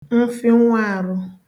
mfịnwụạrụ